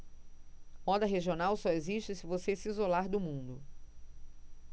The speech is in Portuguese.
moda regional só existe se você se isolar do mundo